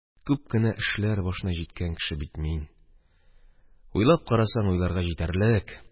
Күп кенә эшләр башына җиткән кеше бит мин, уйлап карасаң, уйларга җитәрлек.